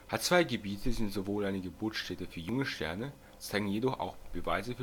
H-II-Gebiete sind sowohl eine Geburtsstätte für junge Sterne, zeigen jedoch auch Beweise